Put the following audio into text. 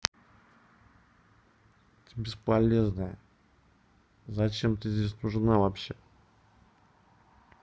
ты бесполезная зачем ты здесь нужна вообще